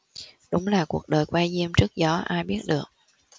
đúng là cuộc đời que diêm trước gió ai biết được